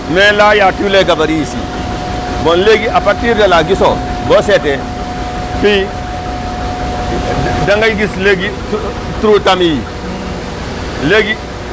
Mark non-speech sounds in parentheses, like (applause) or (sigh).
voilà mais là y' a tous les gabaries ici (noise) bon léegi à partir de là gisoo boo seetee fii dangay gis léegi trou tamis yi (noise)